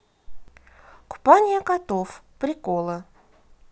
купание котов приколы